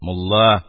Мулла